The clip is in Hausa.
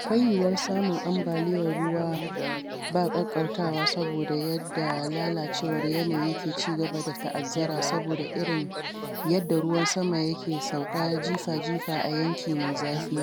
Akwai yiwuwar samun ambaliya ruwa ba ƙaƙƙautawa saboda yanda lalacewar yanayi ke ci gaba da ta'azzara saboda irin yadda ruwan sama ya ke sauka jifa-jifa a yanki mai zafi.